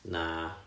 na